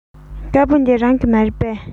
དཀར པོ འདི རང གི མ རེད པས